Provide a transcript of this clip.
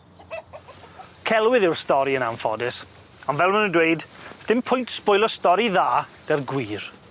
Celwydd yw'r stori yn anffodus, on' fel ma' nw'n dweud sdim pwynt sbwylo stori dda 'dy'r gwir.